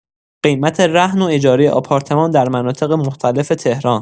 قیمت رهن و اجاره آپارتمان در مناطق مختلف تهران